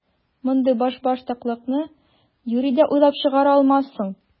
Мондый башбаштаклыкны юри дә уйлап чыгара алмассың!